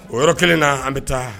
O yɔrɔ kelen na an bɛ taa